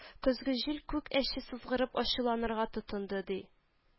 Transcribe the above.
Көзге җил күк әче сызгырып ачуланырга тотынды, ди